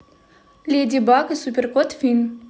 леди баг и супер кот фильм